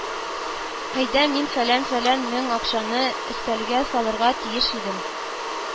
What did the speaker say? Айда мин фәлән-фәлән мең акчаны өстәлгә салырга тиеш идем